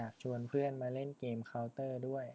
อยากชวนเพื่อนมาเล่นเกมเค้าเตอร์ด้วย